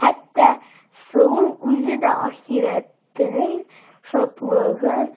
Хәтта Сылу үзе дә ахирәтенең шатлыгын